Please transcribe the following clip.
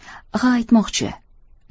ha aytmoqchi